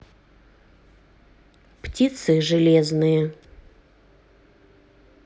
птицы железные